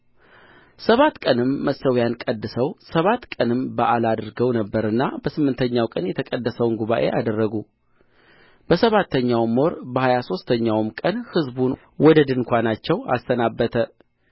ሰባት ቀንም መሠዊያውን ቀድሰው ሰባት ቀንም በዓል አድርገው ነበርና በስምንተኛው ቀን የተቀደሰውን ጉባኤ አደረጉ በሰባተኛውም ወር በሃያ ሦስተኛውም ቀን ሕዝቡን ወደ ድንኳናቸው አሰናበተ